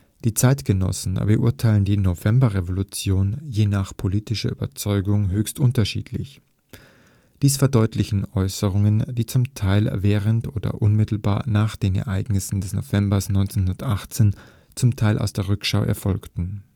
Die Zeitgenossen beurteilten die Novemberrevolution je nach politischer Überzeugung höchst unterschiedlich. Dies verdeutlichen Äußerungen, die zum Teil während oder unmittelbar nach den Ereignissen des Novembers 1918, zum Teil aus der Rückschau erfolgten